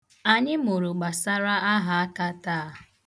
Anyị mụrụ gbasara ahaaka taa.